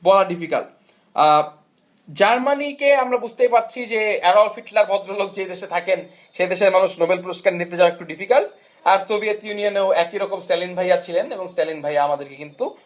বলা difficult Germany কি আমরা বুঝতেই পারছি এডলফ হিটলার ভদ্রলোক যে দেশে থাকেন সে দেশের মানুষ নোবেল পুরস্কার নিতে যাওয়া একটু ডিফিকাল্ট সোভিয়েত ইউনিয়নে একি এরকম স্ট্যালিন ভাইয়া ছিলেন এবং স্ট্যালিন ভাইয়া আমাদেরকে কিন্তু